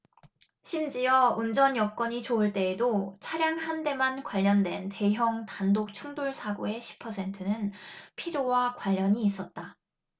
심지어 운전 여건이 좋을 때에도 차량 한 대만 관련된 대형 단독 충돌 사고의 십 퍼센트는 피로와 관련이 있었다